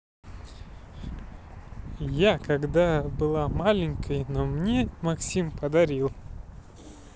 я когда была маленькой но не мне максим подарил